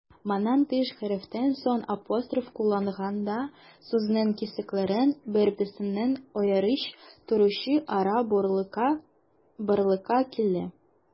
Моннан тыш, хәрефтән соң апостроф кулланганда, сүзнең кисәкләрен бер-берсеннән аерып торучы ара барлыкка килә.